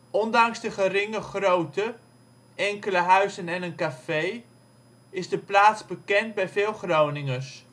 Ondanks de geringe grootte, enkele huizen en een café, is de plaats bekend bij veel Groningers